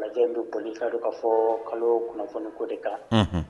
Lajɛ in bɛ boli i k'a dɔn ka fɔɔ kalo kunnafoniko de kan. Unhun